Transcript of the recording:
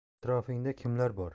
atrofingda kimlar bor